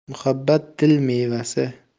muhabbat dil mevasi